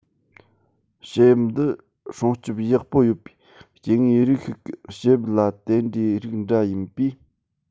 ཕྱི དབྱིབས འདི སྲུང སྐྱོབ ཡག པོ ཡོད པའི སྐྱེ དངོས རིགས ཤིག གི ཕྱི དབྱིབས ལ དེ འདྲ རིགས འདྲ ཡིན པས